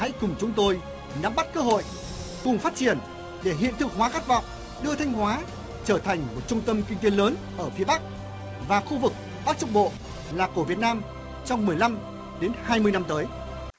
hãy cùng chúng tôi nắm bắt cơ hội cùng phát triển để hiện thực hóa khát vọng đưa thanh hóa trở thành một trung tâm kinh tế lớn ở phía bắc và khu vực bắc trung bộ là của việt nam trong mười lăm đến hai mươi năm tới